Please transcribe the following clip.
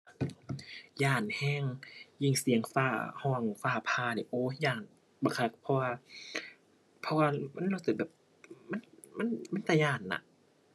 ย้านแรง ยิ่งเสียงฟ้าแรง ฟ้าผ่านี่ โอ้ย ย้านบักคัก เพราะว่า เพราะว่ามันรู้สึกแบบ มัน มัน มันตาย้านน่ะ